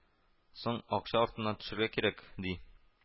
— соң, акча артыннан төшәргә кирәк, — ди